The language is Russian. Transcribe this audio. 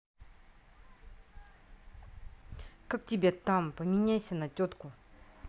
как тебя там поменяйся на тетку